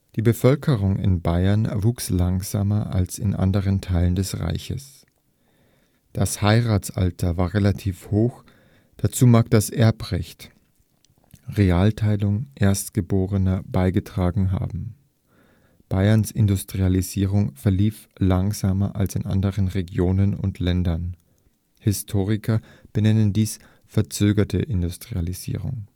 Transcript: Die Bevölkerung in Bayern wuchs langsamer als in den anderen Teilen des Reiches. Das Heiratsalter war relativ hoch; dazu mag das Erbrecht (Realteilung, Erstgeborener) beigetragen haben. Bayerns Industrialisierung verlief langsamer als in anderen Regionen und Ländern. Historiker benennen dies „ verzögerte Industrialisierung